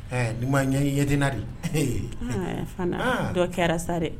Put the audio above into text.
Nin ma ɲɛ yedina de ee aa fana dɔ kɛra sa dɛ